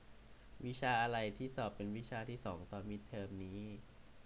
วิชาอะไรที่สอบเป็นวิชาที่สองตอนมิดเทอมนี้